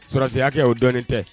Sonsanya kɛ y'o dɔɔnin tɛ